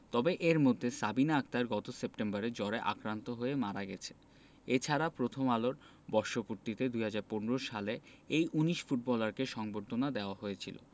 তবে এর মধ্যে সাবিনা আক্তার গত সেপ্টেম্বরে জ্বরে আক্রান্ত হয়ে মারা গেছে এ ছাড়া প্রথম আলোর বর্ষপূর্তিতে ২০১৫ সালে এই ১৯ ফুটবলারকে সংবর্ধনা দেওয়া হয়েছিল